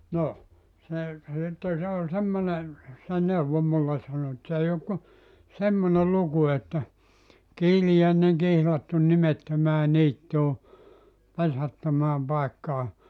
no se ja sitten se oli semmoinen se neuvoi minulle sanoi että se ei ole kuin semmoinen luku että kiiliäinen kihlattu nimettömään niittyyn pesättömään paikkaan